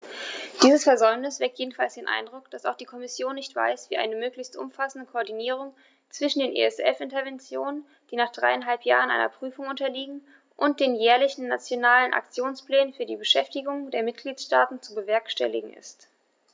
Dieses Versäumnis weckt jedenfalls den Eindruck, dass auch die Kommission nicht weiß, wie eine möglichst umfassende Koordinierung zwischen den ESF-Interventionen, die nach dreieinhalb Jahren einer Prüfung unterliegen, und den jährlichen Nationalen Aktionsplänen für die Beschäftigung der Mitgliedstaaten zu bewerkstelligen ist.